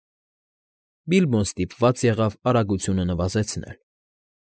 Բիլբոն ստիպված եղավ արագությունը նվազեցնել։